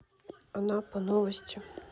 анапа новости